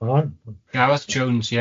O. Gareth Jones ie.